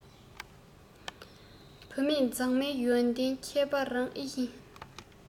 བུད མེད མཛངས མའི ཡོན ཏན ཁྱད པར རང ཨེ ཡིན